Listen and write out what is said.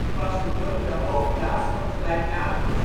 was het dorp de hoofdplaats van de gelijknamige